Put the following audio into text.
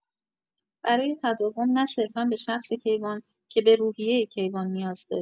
برای تداوم نه صرفا به شخص کیوان که به روحیه کیوان نیاز داریم.